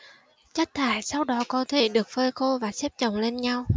chất thải sau đó có thể được phơi khô và xếp chồng lên nhau